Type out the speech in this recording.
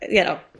you know